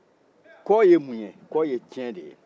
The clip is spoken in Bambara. kɔ ye mun ye kɔ ye ciyɛn de ye